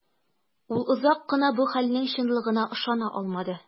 Ул озак кына бу хәлнең чынлыгына ышана алмады.